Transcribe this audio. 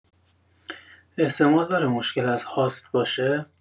احتمال داره مشکل از هاست باشه؟